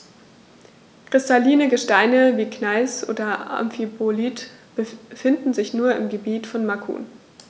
Kristalline Gesteine wie Gneis oder Amphibolit finden sich nur im Gebiet von Macun.